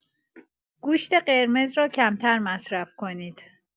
گوشت قرمز را کمتر مصرف کنید.